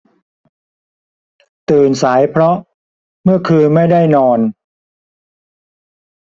ตื่นสายเพราะเมื่อคืนไม่ได้นอน